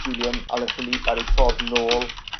Julian Alaphilippe ar ei ffordd nôl